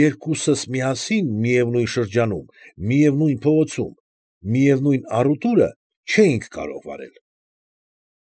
Երկուսս միասին միևնույն շրջանում, միևնույն փողոցում, միևնույն առուտուրը չէինք կարող վարել։